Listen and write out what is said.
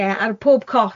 Ie, ar pob cot